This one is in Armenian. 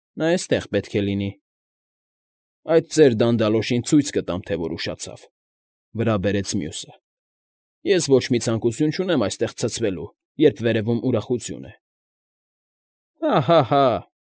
Նա էստեղ պետք է լինի։ ֊ Այդ ծեր դանդալոշին ցույց կտամ, թե որ ուշացավ,֊ վրա բերեց մյուսը։֊ Ես ոչ մի ցանկություն չունեմ այստեղ ցցվելու, երբ վերևում ուրախություն է։ ֊ Հա՛֊հա՛֊հա՛,֊